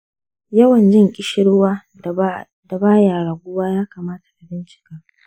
yawan jin kirshirwa da ba ya raguwa ya kamata a bincika.